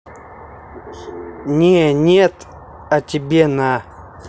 не нет а тебе на